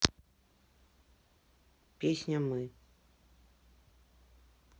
песня мы